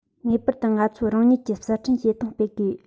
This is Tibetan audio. ངེས པར དུ ང ཚོ རང ཉིད ཀྱི གསར སྐྲུན བྱེད སྟངས སྤེལ དགོས